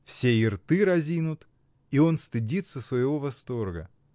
Все и рты разинут, и он стыдится своего восторга.